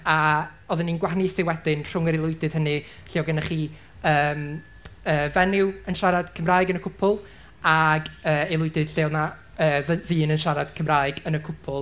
a oeddwn ni'n gwahanaethu wedyn rhwng yr aelwydydd hynny lle oedd gennych chi yym yy fenyw yn siarad Cymraeg yn y cwpl ag yy aelwydydd lle oedd 'na yy dd- ddyn yn siarad Cymraeg yn y cwpl.